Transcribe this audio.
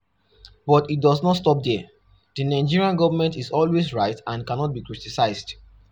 But it does not stop there, the Nigerian government is always right and cannot be criticized.